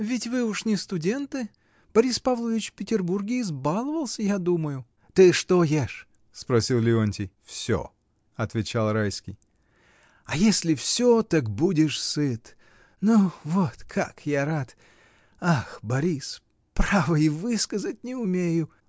Ведь вы уж не студенты: Борис Павлович в Петербурге избаловался, я думаю. — Ты что ешь? — спросил Леонтий. — Всё, — отвечал Райский. — А если всё, так будешь сыт. Ну вот, как я рад. Ах, Борис. право, и высказать не умею!